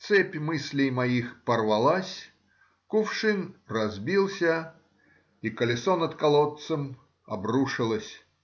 Цепь мыслей моих порвалась, кувшин разбился, и колесо над колодцем обрушилось